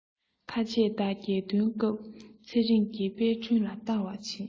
ཁ ཆད ལྟར རྒྱལ སྟོན སྐབས ཚེ རིང ནི དཔལ སྒྲོན ལ བལྟ བར ཕྱིན